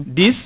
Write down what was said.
dix